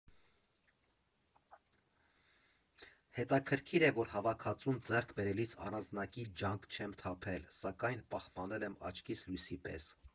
Հետաքրքրիր է, որ հավաքածուն ձեռք բերելիս առանձնակի ջանք չեմ թափել, սակայն պահպանել եմ աչքիս լույսի պես։